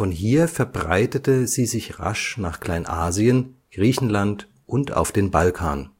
hier verbreitete sie sich rasch nach Kleinasien, Griechenland und auf den Balkan